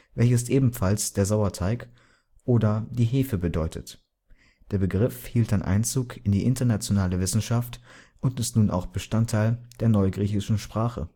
welche ebenfalls „ der Sauerteig “oder „ die Hefe “bedeutet. Dieser Begriff hielt dann Einzug in die internationale Wissenschaft und ist nun auch Bestandteil der neugriechischen Sprache